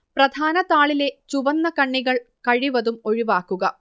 പ്രധാനതാളിലെ ചുവന്നകണ്ണികൾ കഴിവതും ഒഴിവാക്കുക